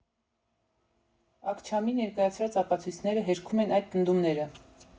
Աքչամի ներկայացրած ապացույցները հերքում են այդ պնդումները։